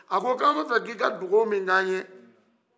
a ko k' anw bɛ a fɛ i ka dugaw min kɛ anw ye